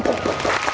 chị